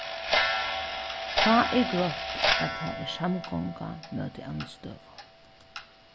tá er greitt at tað er samgonga móti andstøðu